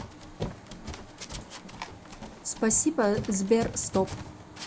спасибо сбер стоп